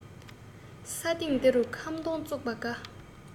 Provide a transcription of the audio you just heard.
ས སྟེང འདི རུ ཁམ སྡོང བཙུགས པ དགའ